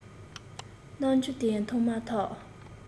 རྣམ འགྱུར དེ མཐོང མ ཐག